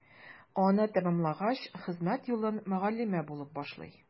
Аны тәмамлагач, хезмәт юлын мөгаллимә булып башлый.